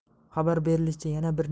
xabar berilishicha yana bir